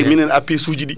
e minen APS suji ɗi